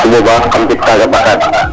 bu boba xam jeg taga bakaad